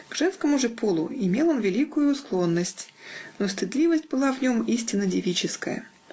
к женскому же полу имел он великую склонность, но стыдливость была в нем истинно девическая *.